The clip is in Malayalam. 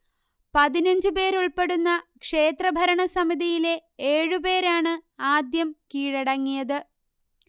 പതിനഞ്ചുപേരുൾപ്പെടുന്ന ക്ഷേത്രഭരണസമിതിയിലെ ഏഴുപേരാണ് ആദ്യം കീഴടങ്ങിയത്